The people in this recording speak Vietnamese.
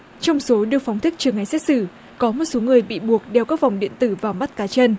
trong số được phóng thích chờ ngày xét xử có một số người bị buộc điều các phòng điện tử vào mắt cá chân